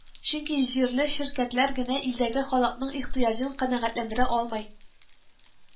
Чөнки җирле ширкәтләр генә илдәге халыкның ихтыяҗын канәгатьләндерә алмый